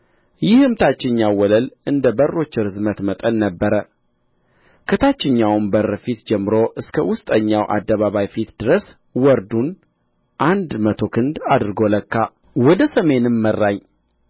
ይህም ታችኛው ወለል እንደ በሮቹ ርዝመት መጠን ነበረ ከታችኛውም በር ፊት ጀምሮ እስከ ውስጠኛው አደባባይ ፊት ድረስ ወርዱን አንድ መቶ ክንድ አድርጎ ለካ ወደ ሰሜንም መራኝ